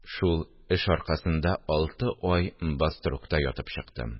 Шул эш аркасында алты ай баструкта ятып чыктым